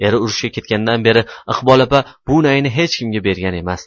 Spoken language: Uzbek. eri urushga ketgandan beri iqbol opa bu nayni hech kimga bergan emas